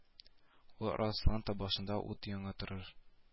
Ул арыслан башында ут яна торыр